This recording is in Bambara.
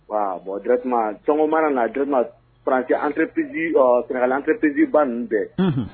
Wa bon directement Sɔngo mana la directement France entreprise, Sénégal entrepris ba nunun bɛɛ. Unhun